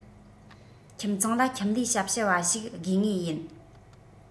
ཁྱིམ ཚང ལ ཁྱིམ ལས ཞབས ཞུ བ ཞིག དགོས ངེས ཡིན